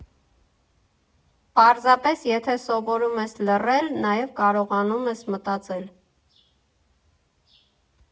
Պարզապես, եթե սովորում ես լռել, նաև կարողանում ես մտածել։